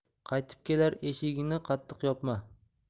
qaytib kelar eshigingni qattiq yopma